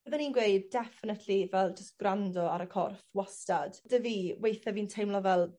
Bydden i'n gweud definitely fel jys gwrando ar y corff wostad, 'dy fi weithe fi'n teimlo fel